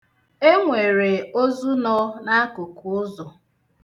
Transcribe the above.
Enwere ozu nọ n'akụkụ ụzọ.